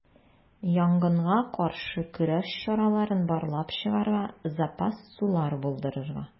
Янгынга каршы көрәш чараларын барлап чыгарга, запас сулар булдырырга.